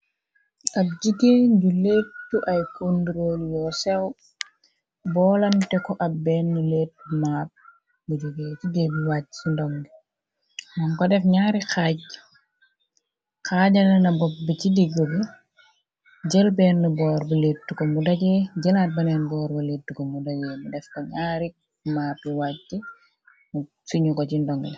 ab jigee ju lettu ay kondrol yoo sew boolamte ko ab benn leetb maap bu joge ci géb wàaj ci ndonge mom ko def ñaari xaajala na bop bi ci digo bi jël benn boorbu letko mjëlaat beneen boor bu letuko mu dagee mi def ka ñaarib maat lu wàjj siñu ko ci ndonge